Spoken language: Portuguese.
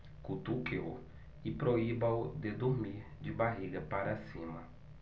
cutuque-o e proíba-o de dormir de barriga para cima